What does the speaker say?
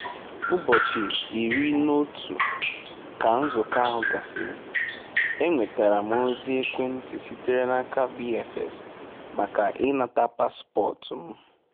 Ụbọchị 11 ka nzukọ ahụ gasịrị, enwetara m ozi ekwentị sitere n'aka VFS maka ịnata paspọtụ m.